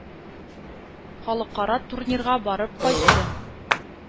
Халыкара турнирга барып кайтты.